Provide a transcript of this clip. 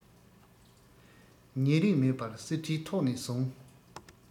ཉེ རིང མེད པར གསེར ཁྲིའི ཐོགས ནས བཟུང